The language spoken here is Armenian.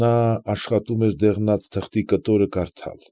Նա աշխատում էր դեղնած թղթի կտորը կարդալ։